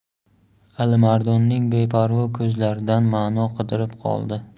alimardonning beparvo ko'zlaridan ma'no qidirib qoldi